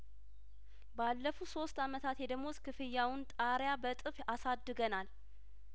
ባለፉት ሶስት አመታት የደሞዝ ክፍያውን ጣሪያ በእጥፍ አሳድገናል